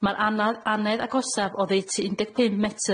Ma'r ana- anedd agosaf oddeutu un deg pum metr i